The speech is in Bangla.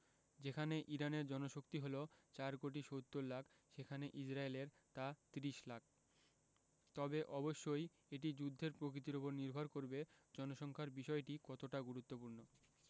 যেখানে ইরানের জনশক্তি হলো ৪ কোটি ৭০ লাখ সেখানে ইসরায়েলের তা ৩০ লাখ তবে অবশ্যই এটি যুদ্ধের প্রকৃতির ওপর নির্ভর করবে জনসংখ্যার বিষয়টি কতটা গুরুত্বপূর্ণ